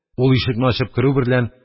Ул, ишекне ачып керү берлән,